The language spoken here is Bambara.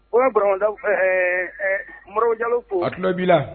O ma bda fɛ m ja ko ka tulo b'i la